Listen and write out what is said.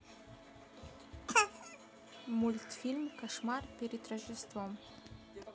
мультфильм кошмар перед рождеством